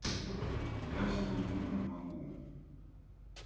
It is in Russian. я сниму не могу